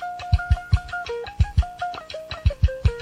Sanunɛ wa